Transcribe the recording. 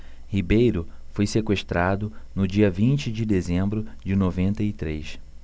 ribeiro foi sequestrado no dia vinte de dezembro de noventa e três